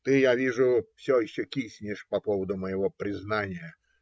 Ты, я вижу, все еще киснешь по поводу моего признания.